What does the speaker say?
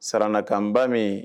Saranakan n ba min